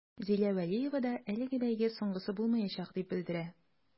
Зилә вәлиева да әлеге бәйге соңгысы булмаячак дип белдерә.